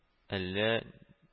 Әллә